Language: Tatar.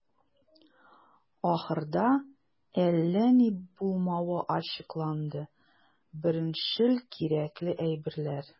Ахырда, әллә ни булмавы ачыкланды - беренчел кирәкле әйберләр.